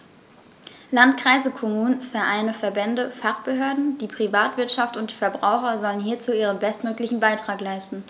Landkreise, Kommunen, Vereine, Verbände, Fachbehörden, die Privatwirtschaft und die Verbraucher sollen hierzu ihren bestmöglichen Beitrag leisten.